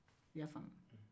i y'a faamu